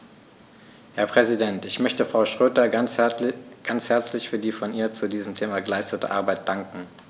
Herr Präsident, ich möchte Frau Schroedter ganz herzlich für die von ihr zu diesem Thema geleistete Arbeit danken.